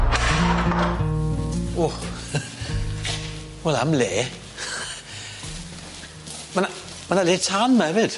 O! Wel am le ma' 'na ma' 'na le tân 'ma efyd.